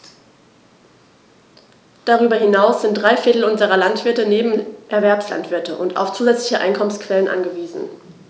Darüber hinaus sind drei Viertel unserer Landwirte Nebenerwerbslandwirte und auf zusätzliche Einkommensquellen angewiesen.